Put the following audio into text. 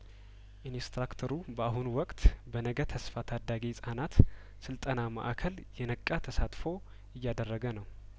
ኢንስትራክተሩ በአሁን ወቅት በነገ ተስፋ ታዳጊ ህጻናት ስልጠና ማእከል የነቃ ተሳትፎ እያደረገ ነው